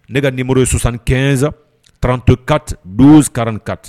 Ne ka ninmo ye sonsan kɛnɛnsan trantoka do karankati